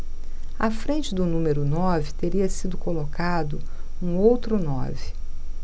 à frente do número nove teria sido colocado um outro nove